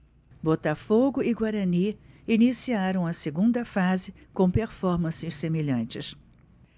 botafogo e guarani iniciaram a segunda fase com performances semelhantes